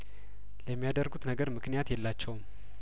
ለሚያደርጉት ነገር ምክንያት የላቸውም